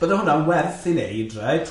Bydde hwnna'n werth ei wneud, reit?